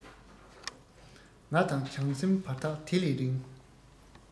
ང དང བྱང སེམས བར ཐག དེ ལས རིང